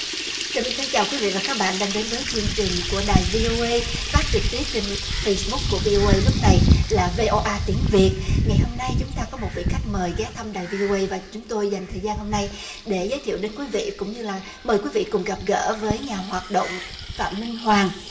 trà my thân chào quý vị và các bạn đã đến với chương trình của đài vi âu ây phát trực tiếp trên phây búc của vi âu ây lúc này là vê o a tiếng việt ngày hôm nay chúng ta có một vị khách mời ghé thăm đài vi âu ây và chúng tôi dành thời gian hôm nay để giới thiệu đến quý vị cũng như là mời quý vị cùng gặp gỡ với nhà hoạt động phạm minh hoàng